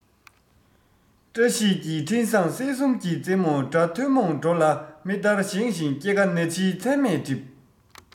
བཀྲ ཤིས ཀྱི འཕྲིན བཟང སྲིད གསུམ གྱི རྩེ མོར སྒྲ ཐུན མོང འགྲོ ལ མི ལྟར བཞེངས ཤིང སྐྱེ རྒ ན འཆིའི མཚན མས བསྒྲིབས